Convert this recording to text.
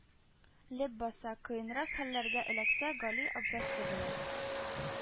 Леп баса, кыенрак хәлләргә эләксә, гали абзасы белән